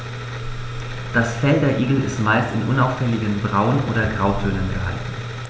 Das Fell der Igel ist meist in unauffälligen Braun- oder Grautönen gehalten.